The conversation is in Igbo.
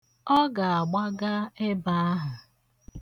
Ọ ga-agbaga ebe ahụ.